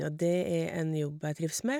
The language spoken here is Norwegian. Og det er en jobb jeg trives med.